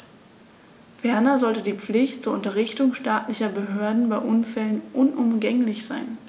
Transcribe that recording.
Ferner sollte die Pflicht zur Unterrichtung staatlicher Behörden bei Unfällen unumgänglich sein.